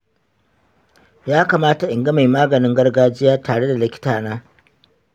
yakamata in ga mai maganin gargajiya tare da likita na?